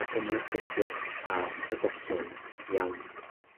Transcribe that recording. ac yna cliciwch ar y botwm Iawn.